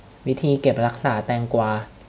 วิธีเก็บรักษาแตงกวา